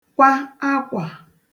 kwa akwà